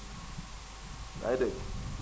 yaa ngi dégg